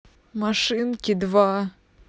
машинки два